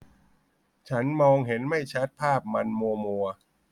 ฉันมองเห็นไม่ชัดภาพมันมัวมัว